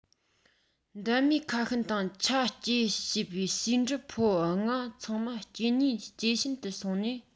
འདབ མའི ཁ ཤུན དང ཆ སྐྱེས བྱས པའི ཟེའུ འབྲུ ཕོ ལྔ ཚང མ སྐྱེ ནུས ཇེ ཞན དུ སོང ནས